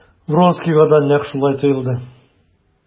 Вронскийга да нәкъ шулай тоелды.